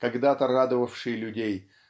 когда-то радовавший людей